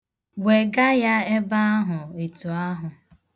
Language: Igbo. Wegaa ya ebe ahụ etu ahụ!